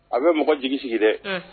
A bɛ mɔgɔ jigi sigi dɛ